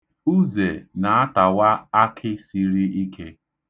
Uze na-atawa akị siri ike.